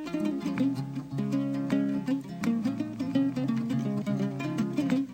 Maa laban